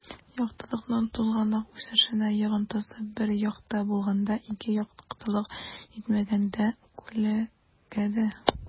Яктылыкның тузганак үсешенә йогынтысы: 1 - якты булганда; 2 - яктылык җитмәгәндә (күләгәдә)